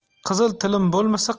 qizil tilim bo'lmasa